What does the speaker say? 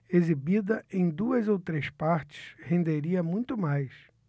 exibida em duas ou três partes renderia muito mais